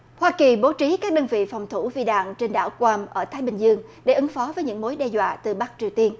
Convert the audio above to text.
hoa kỳ bố trí các đơn vị phòng thủ vì đạn trên đảo oam ở thái bình dương để ứng phó với những mối đe dọa từ bắc triều tiên